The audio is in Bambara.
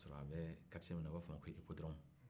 o y'a sɔrɔ a be karitiye minna a bɛ f'o ma ko ipɔdɔrɔmu